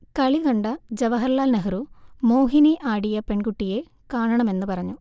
കളികണ്ട ജവഹർലാൽ നെഹ്രു, മോഹിനി ആടിയ പെൺകുട്ടിയെ കാണണമെന്ന് പറഞ്ഞു